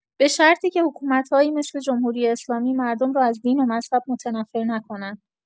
به شرطی که حکومت‌هایی مثل جمهوری‌اسلامی، مردم رو از دین و مذهب متنفر نکنن